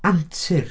antur.